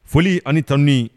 Foli ani ni ta